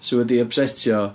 Sydd wedi ypsetio...